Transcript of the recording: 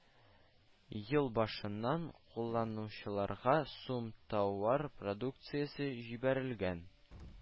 Ел башыннан кулланучыларга сум тауар продукциясе җибәрелгән